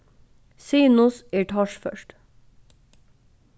sinus er torført